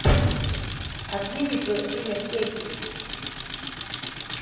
отныне твое имя кэти